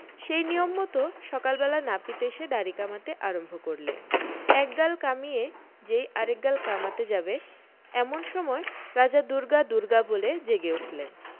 সেই নিয়ম মত সকাল বেলা নাপিত এসে দাড়ি কামাতে আরম্ভ করলে এক গাল কামিয়ে যেই আর এক গাল কামাতে যাবে এমন সময় রাজা দুর্গা দুর্গা বলে জেগে উঠলেন